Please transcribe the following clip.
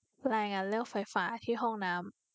รายงานเรื่องไฟฟ้าที่ห้องน้ำ